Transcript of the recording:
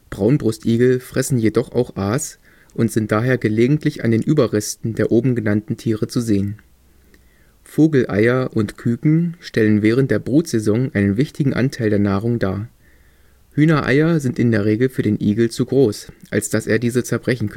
Braunbrustigel fressen jedoch auch Aas und sind daher gelegentlich an den Überresten der obengenannten Tiere zu sehen. Vogeleier und - küken stellen während der Brutsaison einen wichtigen Anteil der Nahrung dar. Hühnereier sind in der Regel für den Igel zu groß, als dass er diese zerbrechen könnte